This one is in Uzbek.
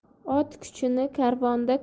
ot kuchini karvonda